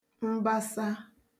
mbasa